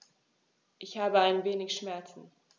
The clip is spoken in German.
Ich habe ein wenig Schmerzen.